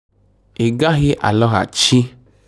Ị gaghị alọghachi!'